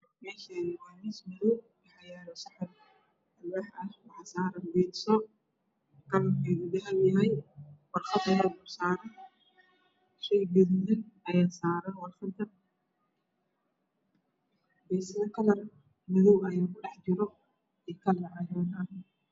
Meeshaan waa miis madow waxaa yaalo saxan alwaax ah waxaa saaran biidso kalarkeedu dahabi yahay warqadna ay dulsaaran tahay shay gaduudan ayaa saaran warqada. Biidsada kalar madow ayaa kudhex jiro iyo kalar cagaar ah.